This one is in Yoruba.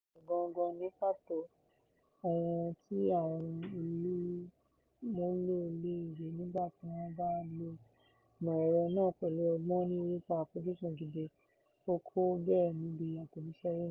Ìwúlò rẹ̀ gangan ni pàtó ohun tí àwọn olùmúlò le rí nígbà tí wọ́n bá lo ìmọ̀ ẹ̀rọ náà pẹ̀lú ọgbọ́n ní orípa àfojúsùn gidi, "ó kọ bẹ́ẹ̀ níbi àtẹ̀jíṣẹ́ e-mail.